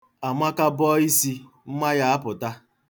Amaka bọọ isi, mma ya apụta.